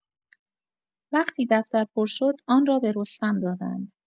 وقتی دفتر پر شد، آن را به رستم دادند.